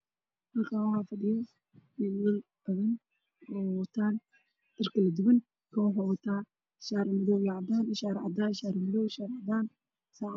Waa niman farabadan oo hool fadhiya oo kuraas ku fadhiya oo wata shatiye cadaan fanaanado buluug